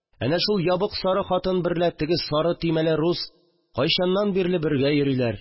Әнә шул ябык сары хатын берлә теге сары төймәле рус кайчаннан бирле бергә йөриләр